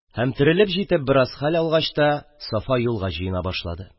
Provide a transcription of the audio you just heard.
Һәм, терелеп җитеп бераз хәл алгач та, Сафа юлга җыена башлады